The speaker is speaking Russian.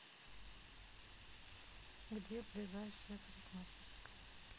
где ближайшая парикмахерская